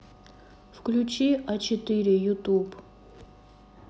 включи а четыре ютуб